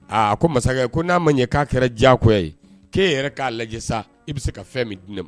Aa a ko masakɛ ko n'a ma ɲɛ k'a kɛra diya ye k'e yɛrɛ k'a lajɛ sa i bɛ se ka fɛn min di ne ma